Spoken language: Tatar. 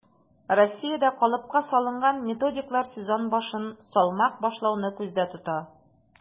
Россиядә калыпка салынган методикалар сезон башын салмак башлауны күздә тота: